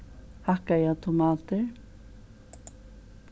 hakkaðar tomatir